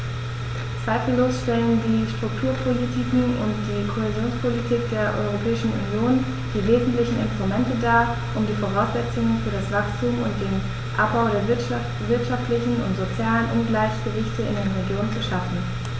Zweifellos stellen die Strukturpolitiken und die Kohäsionspolitik der Europäischen Union die wesentlichen Instrumente dar, um die Voraussetzungen für das Wachstum und den Abbau der wirtschaftlichen und sozialen Ungleichgewichte in den Regionen zu schaffen.